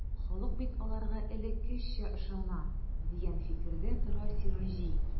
Халык бит аларга элеккечә ышана, дигән фикердә тора Сираҗи.